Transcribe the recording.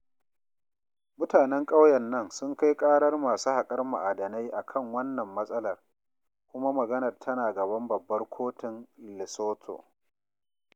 Mutanen ƙauyen sun kai ƙarar masu haƙar ma'adanan a kan wannan matsalar, kuma maganar tana gaban Babbar Kotun Lesotho.